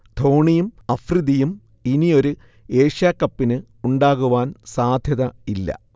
ധോണിയും അഫ്രിദിയും ഇനിയൊരു ഏഷ്യാ കപ്പിന് ഉണ്ടാകുവാൻ സാധ്യത ഇല്ല